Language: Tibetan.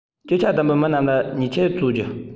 རྒྱུ ཆ གདམ པའི མི རྣམས ལ ཉེས ཆད གཅོད རྒྱུ